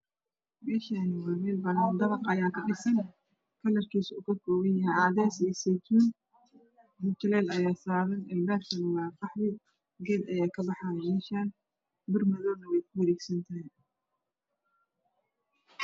Meeshani waa been banana ah ka dhisanyahy dabaq kalarkiisu yahay cadays iyo sibidh mutulel ayaaa saaran. Furaashkana waa qaxw i. Geed ayaaa ka baxayo meesha bir madawna way ku wareegsan thy